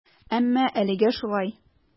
Әмма әлегә шулай.